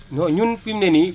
non ñun fi mu ne nii